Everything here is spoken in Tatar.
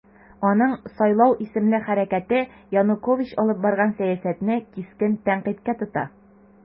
Аның "Сайлау" исемле хәрәкәте Янукович алып барган сәясәтне кискен тәнкыйтькә тота.